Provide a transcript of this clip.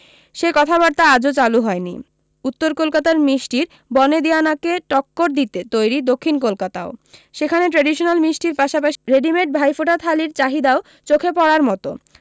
সে কথাবার্তা আজও চালু হয়নি উত্তর কলকাতার মিষ্টির বনেদিয়ানাকে টক্কর দিতে তৈরী দক্ষিণ কলকাতাও সেখানে ট্র্যাডিশনাল মিষ্টির পাশাপাশি রেডিমেড ভাইফোঁটা থালির চাহিদাও চোখে পড়ার মতো